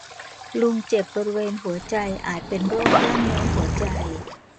ลุงเจ็บบริเวณหัวใจอาจเป็นโรคกล้ามเนื้อหัวใจ